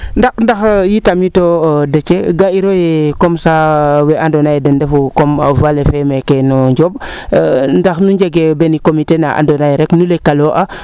bdax ndax i tamit o Déthié ga'iro yee comme ca wee ando naye den ndefu comme vallée meeke Ndiomb ndax nu njegee ben comité naa ando naye rek nu lekalo a